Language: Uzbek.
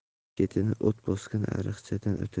chetini o't bosgan ariqchadan